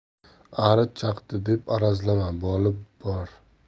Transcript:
ari chaqdi deb arazlama boli bor